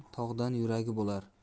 tog'day yuragi bo'lar